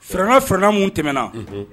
Farana farana minnu tɛmɛna